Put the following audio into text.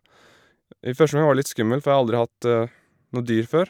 I første omgang var det litt skummelt, for jeg har aldri hatt noe dyr før.